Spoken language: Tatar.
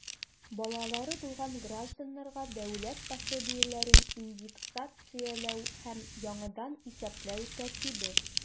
Балалары булган гражданнарга дәүләт пособиеләрен индексацияләү һәм яңадан исәпләү тәртибе.